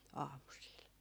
aamusilla